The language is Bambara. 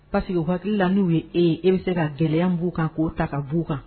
Parisekeke hakiliki la n'u yee ye e bɛ se ka gɛlɛya b'u kan k'o ta ka b'u kan